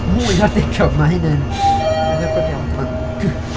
Mwy na degawd mae hyn yn... Mae hynna'n dderbyniol, yndi